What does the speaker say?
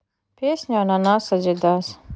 песня ананас адидас